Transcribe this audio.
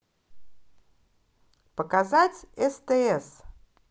показать стс